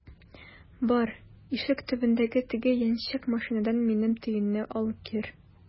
Бар, ишек төбендәге теге яньчек машинадан минем төенне алып кер!